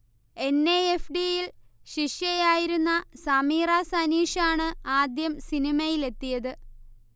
N. I. F. D. യിൽ ശിഷ്യയായിരുന്ന സമീറ സനീഷാണ് ആദ്യം സിനിമയിലെത്തിയത്